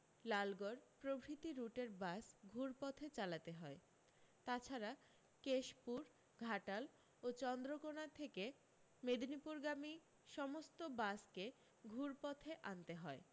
লালগড় প্রভৃতি রুটের বাস ঘুরপথে চালাতে হয় তাছাড়া কেশপুর ঘাটাল ও চন্দ্রকোনা থেকে মেদিনীপুরগামী সমস্ত বাসকে ঘুরপথে আনতে হয়